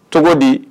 Cogo di